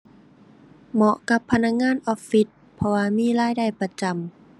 เหมาะกับพนักงานออฟฟิศ เพราะว่ามีรายได้ประจำ